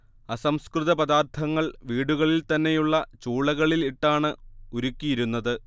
അസംസ്കൃത പദാർത്ഥങ്ങൾ വീടുകളിൽ തന്നെയുള്ള ചൂളകളിൽ ഇട്ടാണ് ഉരുക്കിയിരുന്നത്